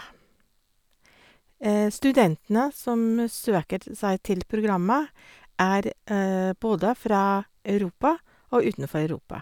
Studentene som søker te seg til programmet er både fra Europa og utenfor Europa.